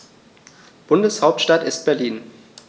Bundeshauptstadt ist Berlin.